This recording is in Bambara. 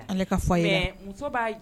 Ale fɔ